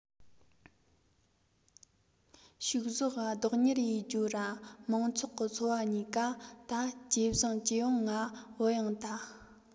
ཕྱུགས ཟོག ག བདག གཉེར ཡེད རྒྱུའོ ར མང ཚོགས གི འཚོ བ གཉིས ཀ ད ཇེ བཟང ཇེ བང ང བུད ཡོང ཐལ